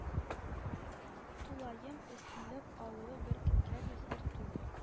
Тулаем өстенлек алуы беркемгә дә сер түгел